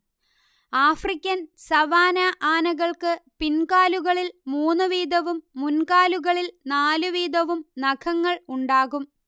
African savanna ആനകൾക്ക് പിൻകാലുകളിൽ മൂന്നു വീതവും മുൻകാലുകളിൽ നാലു വീതവും നഖങ്ങൾ ഉണ്ടാകും